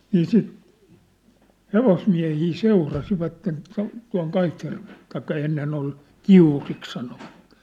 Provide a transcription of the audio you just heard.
niin sitten hevosmiehiä seurasivat tuonne tuonne Kaitjärvelle tai ennen oli Kiuriksi sanoivat